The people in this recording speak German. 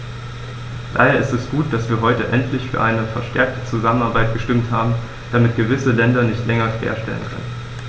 Daher ist es gut, dass wir heute endlich für eine verstärkte Zusammenarbeit gestimmt haben, damit gewisse Länder sich nicht länger querstellen können.